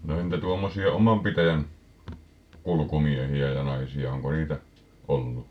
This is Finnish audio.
no entä tuommoisia oman pitäjän kulkumiehiä ja naisia onko niitä ollut